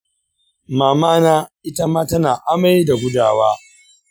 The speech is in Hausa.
mama na itama tana amai da gudawa.